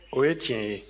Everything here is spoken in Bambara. o ye tiɲɛ ye